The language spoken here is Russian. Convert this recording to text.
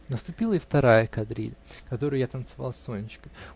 Наступила и вторая кадриль, которую я танцевал с Сонечкой.